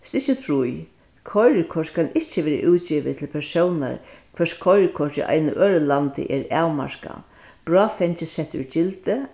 stykki trý koyrikort kann ikki verða útgivið til persónar hvørs koyrikort í einum øðrum landi er avmarkað bráðfeingis sett úr gildi